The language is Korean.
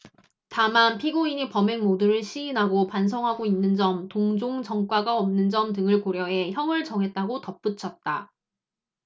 다만 피고인이 범행 모두를 시인하고 반성하고 있는 점 동종 전과가 없는 점 등을 고려해 형을 정했다고 덧붙였다